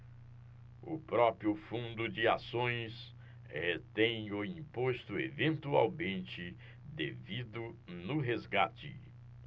o próprio fundo de ações retém o imposto eventualmente devido no resgate